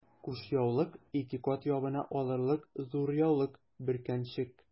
Кушъяулык— ике кат ябына алырлык зур яулык, бөркәнчек...